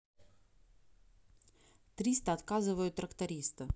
триста отказывают тракториста